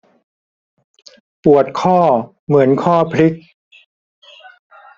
ปวดข้อเหมือนข้อพลิก